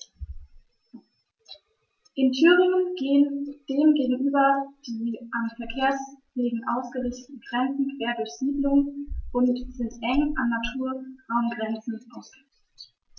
In Thüringen gehen dem gegenüber die an Verkehrswegen ausgerichteten Grenzen quer durch Siedlungen und sind eng an Naturraumgrenzen ausgerichtet.